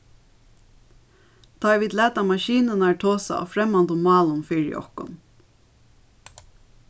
tá ið vit lata maskinurnar tosa á fremmandum málum fyri okkum